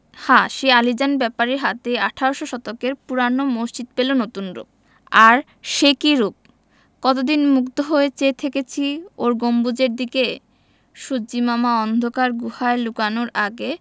হ্যাঁ সেই আলীজান ব্যাপারীর হাতেই আঠারোশ শতকের পুরানো মসজিদ পেলো নতুন রুপ আর সে কি রুপ কতদিন মুগ্ধ হয়ে চেয়ে থেকেছি ওর গম্বুজের দিকে সূর্য্যিমামা অন্ধকার গুহায় লুকানোর আগে